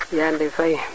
Yande Faye